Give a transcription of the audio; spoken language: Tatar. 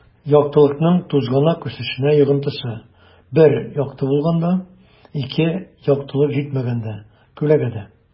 Яктылыкның тузганак үсешенә йогынтысы: 1 - якты булганда; 2 - яктылык җитмәгәндә (күләгәдә)